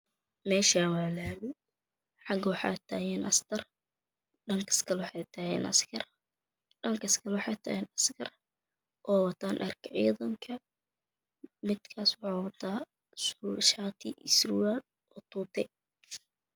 Meshan waalami xagawaxatagan Askar dhaskale waxatagan Askar dhankaskalawaxatagan askar owatan dharka cidinka mikas wuxuwata sirwal iyo shati tute